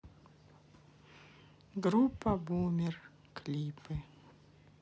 группа бумер клипы